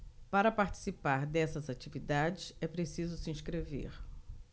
para participar dessas atividades é preciso se inscrever